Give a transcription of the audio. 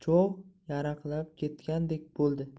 cho'g' yaraqlab ketgandek bo'ldi